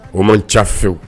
O man ca fiyewu